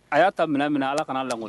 A y'a ta minɛ minɛ ala kanaa lag